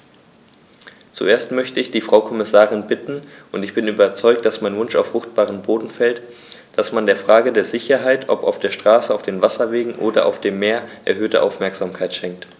Zuerst möchte ich die Frau Kommissarin bitten - und ich bin überzeugt, dass mein Wunsch auf fruchtbaren Boden fällt -, dass man der Frage der Sicherheit, ob auf der Straße, auf den Wasserwegen oder auf dem Meer, erhöhte Aufmerksamkeit schenkt.